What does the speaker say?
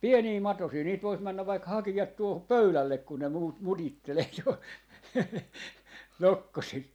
pieniä matosia niitä voisi mennä vaikka hakea tuohon pöydälle kun ne - mutittelee jo nokkosia